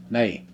niin